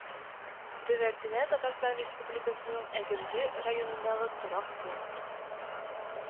Девәртенә Татарстан Республикасының Әгерҗе районындагы торак пункт